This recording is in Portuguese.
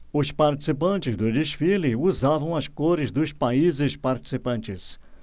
os participantes do desfile usavam as cores dos países participantes